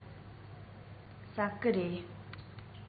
ཟ ཀི རེད